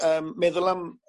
yym meddwl am